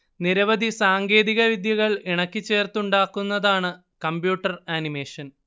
നിരവധി സാങ്കേധിക വിദ്യകൾ ഇണക്കിച്ചേർത്തുണ്ടാക്കുന്നതാണ് കമ്പ്യൂട്ടർ അനിമേഷൻ